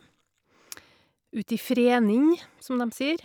Uti Fræni, som dem sier.